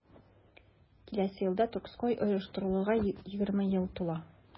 Киләсе елда Тюрксой оештырылуга 20 ел тула.